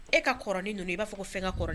E kaɔrɔnin ninnu i b'a fɔ fɛn n ka kɔrɔɔrɔn